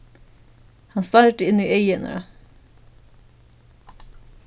hann stardi inn í eygu hennara